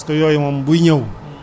naka lañ koy prévenir